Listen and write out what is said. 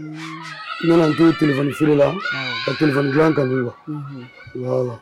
N nana to tfuru la ka tf dila ka wa la